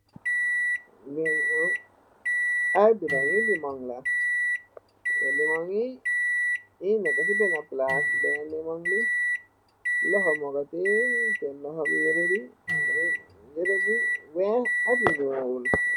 Li momm ay bitong gi lemon yu mag la teh lemon yi mongi neka si bena palat bene limon bi loxo moko teyeh teh loxo bi yereh bi yere bu weex ak lu nuul.